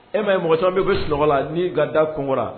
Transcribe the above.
E ma ye mɔgɔ caman bɛ bɛ sunɔgɔ la n'i ka da kunkura